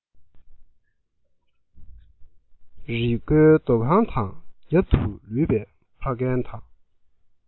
རི མགོའི རྡོ ཁང དང རྒྱབ ཏུ ལུས པའི ཕ རྒན དང